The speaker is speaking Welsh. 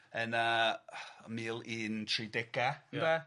Yn yy mil un tri dega... Ia. ...ynde?